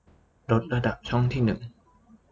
ลดระดับช่องที่หนึ่ง